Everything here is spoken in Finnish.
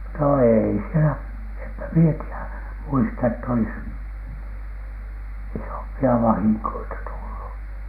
no ei siellä enpä minä tiedä muista että olisi isompia vahinkoja tullut